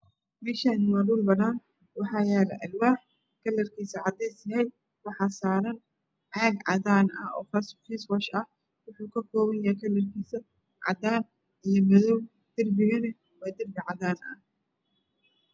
Meahan waa dhuul banaan waxaa yala alwaax kalarkiisa cadees. Yahay waxaa saran caag cadan fisfoosh ah wuxuu ka koban yahay kalar kiisa cadan iyo madoow derbigana waa derbi cadan ah